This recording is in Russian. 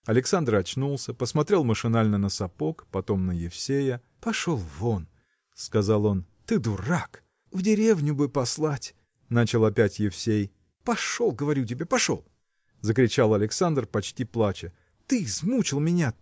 Александр очнулся, посмотрел машинально на сапог, потом на Евсея. – Пошел вон! – сказал он, – ты дурак! – В деревню бы послать. – начал опять Евсей. – Пошел, говорю тебе, пошел! – закричал Александр почти плача – ты измучил меня